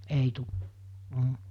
ei tule mm